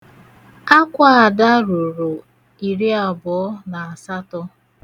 Akwa Ada rụrụ iriabụọ na asatọ.